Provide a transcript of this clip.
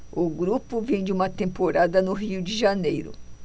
o grupo vem de uma temporada no rio de janeiro